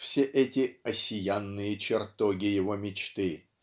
Все эти "осиянные чертоги его мечты"